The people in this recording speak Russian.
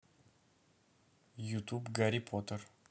ютуб гарри поттер